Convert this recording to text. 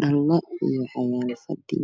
Dhalo iyo waxaa loo miis fadhi